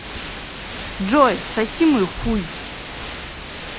джой соси мой хуй